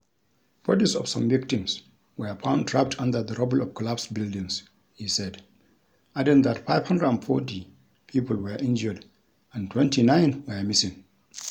Bodies of some victims were found trapped under the rubble of collapsed buildings, he said, adding that 540 people were injured and 29 were missing.